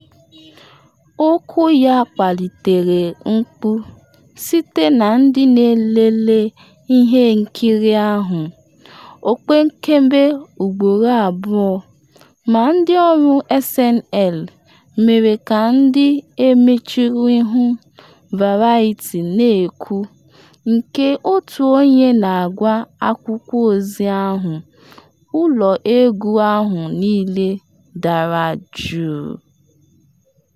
Okwu ya kpalitere mkpu site na ndị n’elele ihe nkiri ahụ opekempe ugboro abụọ na ndị ọrụ SNL mere ka ndị emechuru ihu, Variety na-ekwu, nke otu onye na-agwa akwụkwọ ozi ahụ: “Ụlọ egwu ahụ niile dara juu.”